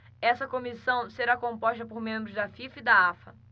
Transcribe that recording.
essa comissão será composta por membros da fifa e da afa